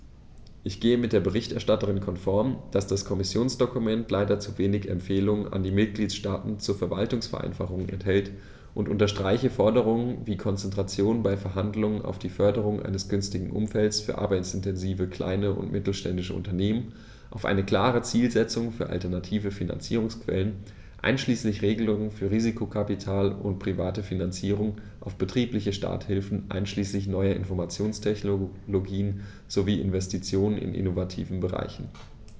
Ich gehe mit der Berichterstatterin konform, dass das Kommissionsdokument leider zu wenig Empfehlungen an die Mitgliedstaaten zur Verwaltungsvereinfachung enthält, und unterstreiche Forderungen wie Konzentration bei Verhandlungen auf die Förderung eines günstigen Umfeldes für arbeitsintensive kleine und mittelständische Unternehmen, auf eine klare Zielsetzung für alternative Finanzierungsquellen einschließlich Regelungen für Risikokapital und private Finanzierung, auf betriebliche Starthilfen einschließlich neuer Informationstechnologien sowie Investitionen in innovativen Bereichen.